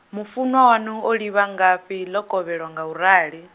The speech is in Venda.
mufunwa waṋu olivha nga fhi ḽo kovhelwa ngurali?